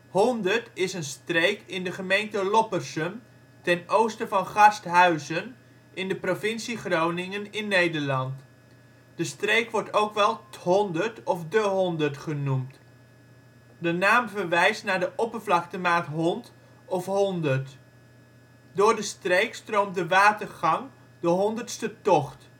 Honderd is een streek in de gemeente Loppersum ten oosten van Garsthuizen in de provincie Groningen (Nederland). De streek wordt ook wel ' t Honderd of De Honderd genoemd. De naam verwijst naar de oppervlaktemaat hont of honderd. Door de streek stroomt de watergang de Honderdstertocht